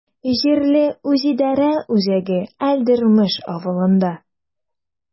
Җирле үзидарә үзәге Әлдермеш авылында.